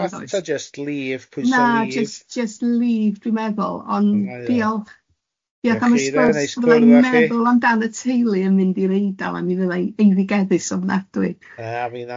Fatha jyst leave, pwysa leave. Na jyst jyst leave dwi'n meddwl ond diolch. Ie da chi reit neis gwrdd a chi. Ie da ni sbost fyddai'n meddwl amdan y teulu yn mynd i'r Eidal a mi fyddai'n eiddigeddus ofnadwy.